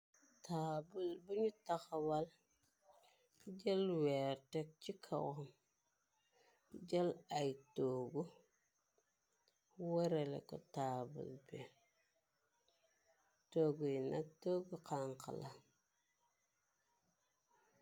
Taabal bañu taxawal jël weer teg ci kawam. Jël ay toogu wërale ko taabal bi togguy nag tgu xanx la.